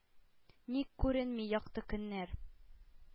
Ник күренми якты көннәр?